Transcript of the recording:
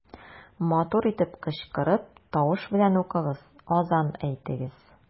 Матур итеп кычкырып, тавыш белән укыгыз, азан әйтегез.